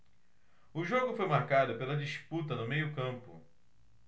o jogo foi marcado pela disputa no meio campo